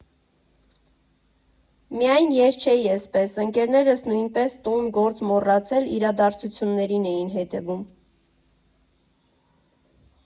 Միայն ես չէի էսպես, ընկերներս նույնպես տուն֊գործ մոռացել, իրադարձություններին էին հետևում։